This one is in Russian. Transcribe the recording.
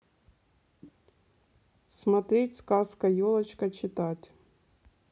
смотреть сказка елочка читать